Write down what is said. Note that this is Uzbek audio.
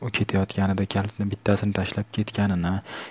u ketayotganida kalitning bittasini tashlab ketganini